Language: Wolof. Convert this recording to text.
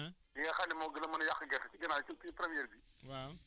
**** vraiment am na solo lool si si wàllu gerte gi